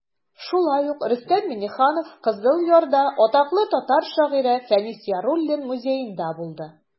Шулай ук Рөстәм Миңнеханов Кызыл Ярда атаклы татар шагыйре Фәнис Яруллин музеенда булды.